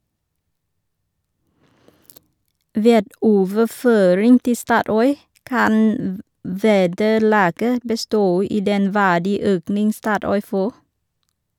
Ved overføring til Statoil kan vederlaget bestå i den verdiøkning Statoil får.